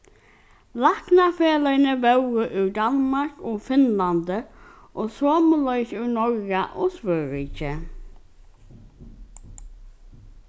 læknafeløgini vóru úr danmark og finnlandi og somuleiðis úr norra og svøríki